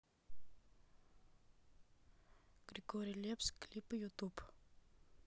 григорий лепс клипы ютуб